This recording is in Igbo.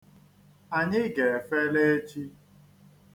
Anyi ga-efela echi.